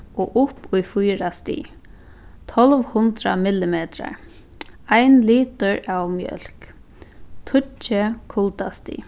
og upp í fýra stig tólv hundrað millimetrar ein litur av mjólk tíggju kuldastig